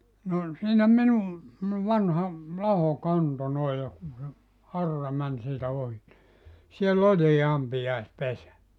no siinä minun semmoinen vanha laho kanto noin ja kun se aura meni siitä ohi niin siellä oli ampiaispesä